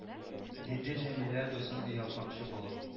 Диде җәмилә дусын оялтмакчы булып